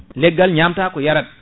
leggal ñamtako ko yarat